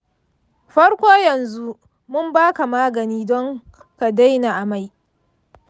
farko yanzu mun baka magani don ka daina amai.